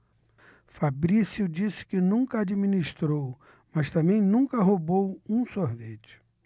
fabrício disse que nunca administrou mas também nunca roubou um sorvete